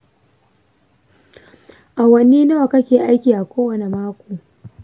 awanni nawa kake aiki a kowane mako?